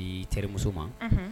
N' terimuso ma